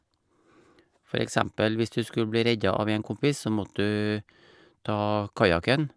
For eksempel hvis du skulle bli reddet av en kompis, så måtte du ta kajaken...